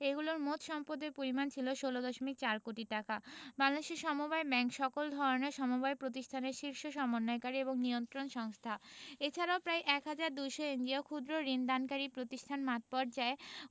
এগুলোর মোট সম্পদের পরিমাণ ছিল ১৬দশমিক ৪ কোটি টাকা বাংলাদেশ সমবায় ব্যাংক সকল ধরনের সমবায় প্রতিষ্ঠানের শীর্ষ সমন্বয়কারী ও নিয়ন্ত্রণ সংস্থা এছাড়াও প্রায় ১ হাজার ২০০ এনজিও ক্ষুদ্র্ ঋণ দানকারী প্রতিষ্ঠান মাঠপর্যায়ে